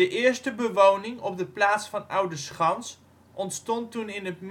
eerste bewoning op de plaats van Oudeschans ontstond toen in het